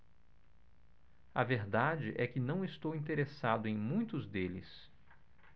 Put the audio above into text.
a verdade é que não estou interessado em muitos deles